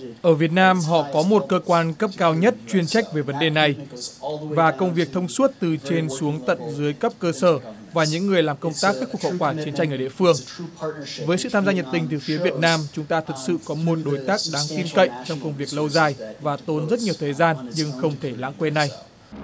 ở việt nam họ có một cơ quan cấp cao nhất chuyên trách về vấn đề này và công việc thông suốt từ trên xuống tận dưới cấp cơ sở và những người làm công tác khắc phục hậu quả chiến tranh ở địa phương với sự tham gia nhiệt tình từ phía việt nam chúng ta thực sự có một đối tác đáng tin cậy trong công việc lâu dài và tốn rất nhiều thời gian nhưng không thể lãng quên này